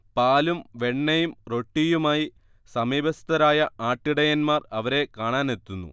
പാലും വെണ്ണയും റൊട്ടിയുമായി സമീപസ്തരായ ആട്ടിടയന്മാർ അവരെ കാണാനെത്തുന്നു